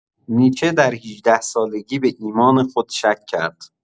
نیچه در ۱۸ سالگی به ایمان خود شک کرد.